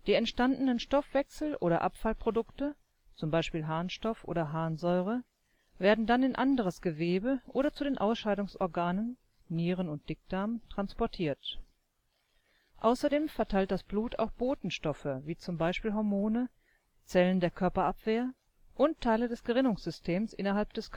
entstandenen Stoffwechsel - oder Abfallprodukte (zum Beispiel Harnstoff oder Harnsäure) werden dann in anderes Gewebe oder zu den Ausscheidungsorganen (Nieren und Dickdarm) transportiert. Außerdem verteilt das Blut auch Botenstoffe wie zum Beispiel Hormone, Zellen der Körperabwehr und Teile des Gerinnungssystems innerhalb des